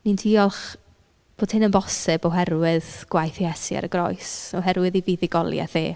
Ni'n diolch bod hyn yn bosib oherwydd gwaith Iesu ar y groes, oherwydd ei fuddugoliaeth e.